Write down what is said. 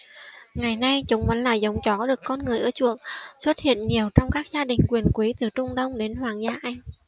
ngày nay chúng vẫn là giống chó được con người ưa chuộng xuất hiện nhiều trong các gia đình quyền quý từ trung đông đến hoàng gia anh